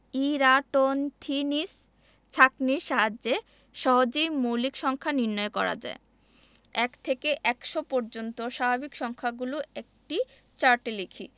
Eratosthenes ছাঁকনির সাহায্যে সহজেই মৌলিক সংখ্যা নির্ণয় করা যায় ১ থেকে ১০০ পর্যন্ত স্বাভাবিক সংখ্যাগুলো একটি চার্টে লিখি